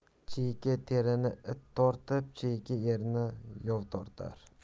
chiyki terini it tortar chiyki erni yov tortar